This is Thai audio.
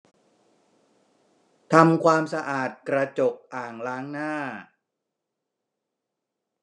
ทำความสะอาดกระจกอ่างล้างหน้า